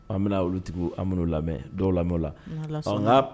An bɛna olulutigiw an lamɛn dɔw lamɛn la